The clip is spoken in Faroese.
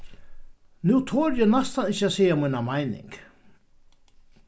nú tori eg næstan ikki at siga mína meining